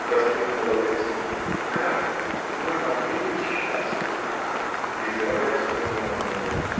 -- воскликнул Лаврецкий, -- как бы мы могли быть счастливы! Лиза опять взглянула на него.